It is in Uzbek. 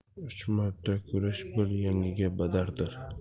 uch marta ko'chish bir yangiga badaldir